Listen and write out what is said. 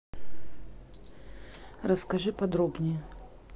расскажи подробнее